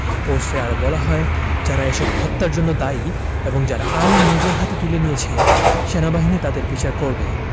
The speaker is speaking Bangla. পোস্টে আরো বলা হয় যারা এসব হত্যার জন্য দায়ী এবং যারা আইন নিজের হাতে তুলে নিয়েছে সেনাবাহিনী তাদের বিচার করবে